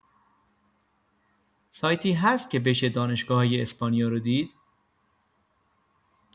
سایتی هست که بشه دانشگاه‌‌های اسپانیا رو دید؟